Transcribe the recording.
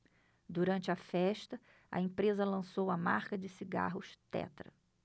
durante a festa a empresa lançou a marca de cigarros tetra